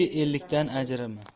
ikki ellikdan ajrama